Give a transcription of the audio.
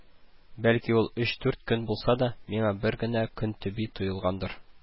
Бәлки ул өч-дүрт көн булса да, миңа бер генә көн кеби тоелгандыр